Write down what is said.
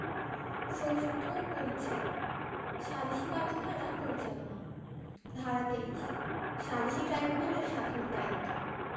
ষষ্ঠ পরিচ্ছেদ সালিসী কার্যধারা পরিচালনা ধারা ২৩ সালিসী ট্রাইব্যুনালের সাধারণ দায়িত্ব